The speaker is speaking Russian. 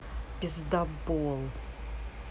пиздабол